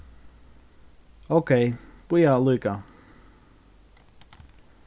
ókey bíða líka